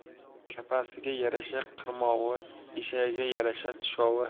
kapasiga yarasha qirmovi eshagiga yarasha tushovi